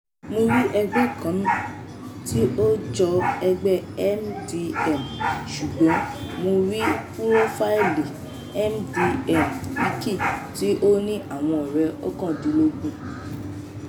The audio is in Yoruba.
Mi ò rí ẹgbẹ́ kankan tí ó jọ Ẹgbẹ́ MDM, ṣùgbọ́n mo rí púrófáìlì MDMWIKI, tí ó ní àwọn ọ̀rẹ́ 19.